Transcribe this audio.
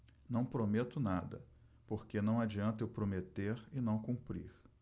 não prometo nada porque não adianta eu prometer e não cumprir